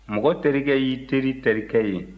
mɔgɔ terikɛ ye i teri terikɛ ye